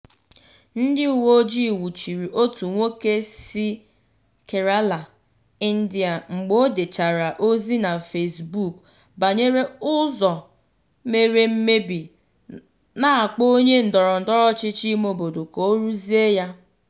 Ndị uweojii nwuchiri otu nwoke si Kerala, India mgbe o dechara ozi na Facebook banyere ụzọ mere mmebi, na-akpọ onye ndọrọndọrọ ọchịchị imeobodo ka ọ rụzie ya.